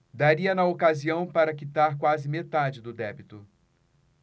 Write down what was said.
daria na ocasião para quitar quase metade do débito